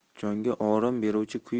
jonga orom beruvchi